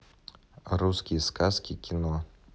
русские сказки кино